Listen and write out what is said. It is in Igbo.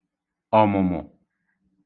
ọ̀mụ̀mụ̀